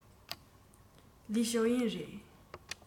ལིའི ཞའོ ཡན རེད